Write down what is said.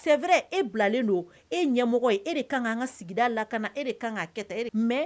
Sɛɛrɛ e bilalen don e ɲɛmɔgɔ ye e de kan ka' ka sigida lak e de ka kan ka kɛta e